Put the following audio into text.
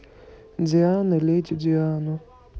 диана леди диану